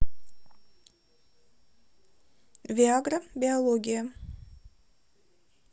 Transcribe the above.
виагра биология